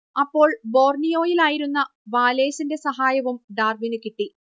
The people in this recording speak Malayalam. അപ്പോൾ ബോർണിയോയിലായിരുന്ന വാലേസിന്റെ സഹായവും ഡാർവിന് കിട്ടി